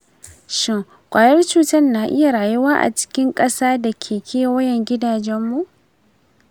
shin kwayar cutar na iya rayuwa a cikin ƙasa da ke kewayen gidajenmu?